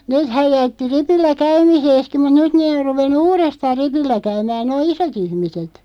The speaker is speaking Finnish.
nehän jätti ripillä käymisensäkin mutta nyt ne on ruvennut uudestaan ripillä käymään nuo isot ihmiset